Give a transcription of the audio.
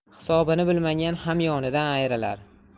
hisobini bilmagan hamyonidan ayrilar